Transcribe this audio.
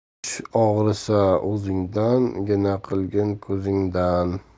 ich og'risa o'zingdan gina qilgin ko'zingdan